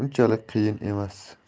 unchalik qiyin emas